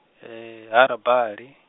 Ha Rabali.